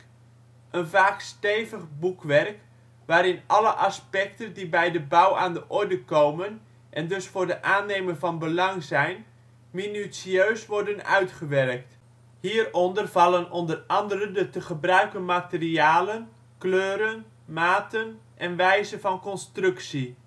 vaak stevig boekwerk waarin alle aspecten die bij de bouw aan de orde komen en dus voor de aannemer van belang zijn, minutieus worden uitgewerkt. Hieronder vallen onder andere de te gebruiken materialen, kleuren, maten en wijze van constructie